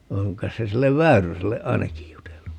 on kai se sille Väyryselle ainakin jutellut